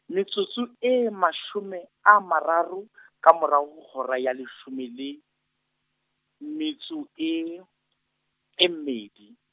metsotso e mashome a mararo, ka morao ho hora ya leshome le, metso e, e mmedi.